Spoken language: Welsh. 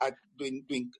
ag dwi'n dwi'n...